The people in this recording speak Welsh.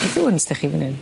Beth yw 'wn sdach chi fan 'yn?